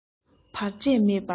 བར ཆད མེད པར སྨོན